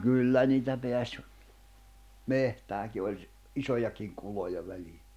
kyllä niitä pääsi metsäänkin oli - isojakin kuloja väliin